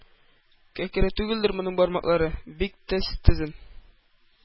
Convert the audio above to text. Кәкре түгелдер моның бармаклары — бик төз төзен,